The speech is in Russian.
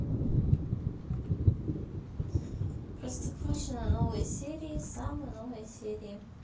простоквашино новые серии самые новые серии